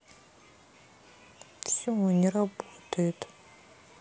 все не работает